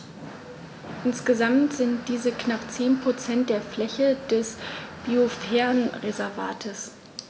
Insgesamt sind dies knapp 10 % der Fläche des Biosphärenreservates.